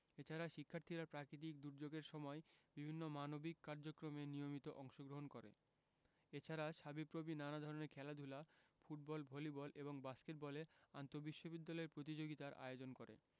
এছাড়া শিক্ষার্থীরা প্রাকৃতিক দূর্যোগের সময় বিভিন্ন মানবিক কার্যক্রমে নিয়মিত অংশগ্রহণ করে এছাড়া সাবিপ্রবি নানা ধরনের খেলাধুলা ফুটবল ভলিবল এবং বাস্কেটবলে আন্তঃবিশ্ববিদ্যালয় প্রতিযোগিতার আয়োজন করে